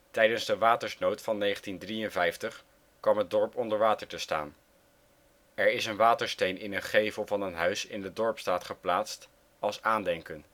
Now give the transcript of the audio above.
Tijdens de watersnood van 1953 kwam het dorp onder water te staan. Er is een watersteen in een gevel van een huis in de Dorpsstraat geplaatst als aandenken